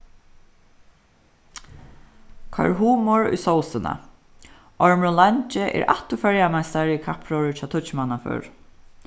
koyr humor í sósina ormurin langi er aftur føroyameistari í kappróðri hjá tíggjumannaførum